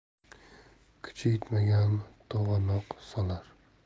kuchi yetmagan to'g'anoq solar